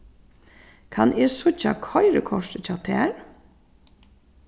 kann eg síggja koyrikortið hjá tær